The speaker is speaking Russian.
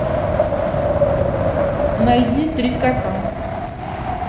найди три кота